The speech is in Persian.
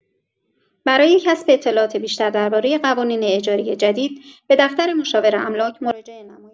برای کسب اطلاعات بیشتر درباره قوانین اجاری جدید، به دفتر مشاور املاک مراجعه نمایید.